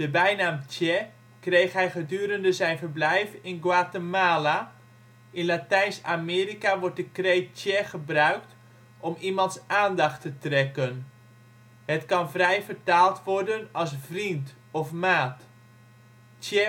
bijnaam Che kreeg hij gedurende zijn verblijf in Guatemala. In Latijns-Amerika wordt de kreet " Che " gebruikt om iemands aandacht te trekken; het kan vrij vertaald worden als ' vriend ' of ' maat '." Che